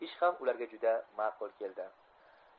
ish ham ularga juda ma'qul keldi